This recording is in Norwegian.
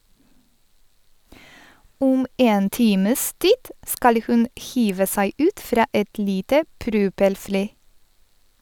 Om en times tid skal hun hive seg ut fra et lite propellfly.